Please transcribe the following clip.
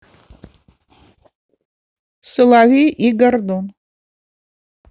соловей и гордон